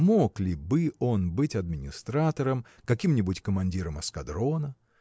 мог ли бы он быть администратором, каким-нибудь командиром эскадрона?